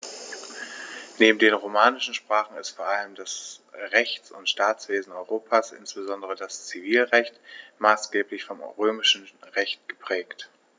Neben den romanischen Sprachen ist vor allem das Rechts- und Staatswesen Europas, insbesondere das Zivilrecht, maßgeblich vom Römischen Recht geprägt.